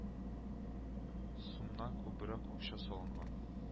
Сумнан күбрәк акча салынган